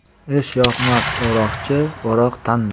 ishyoqmas o'roqchi o'roq tanlar